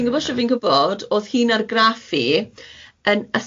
ti'n gwbod shwt fi'n gwbod, o'dd hi'n argraffu yn